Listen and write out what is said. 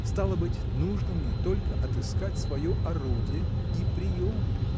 Стало быть, нужно мне только отыскать свое орудие и прием!